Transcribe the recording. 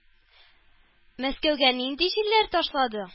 Мәскәүгә нинди җилләр ташлады?